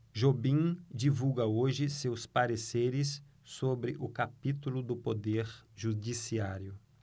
jobim divulga hoje seus pareceres sobre o capítulo do poder judiciário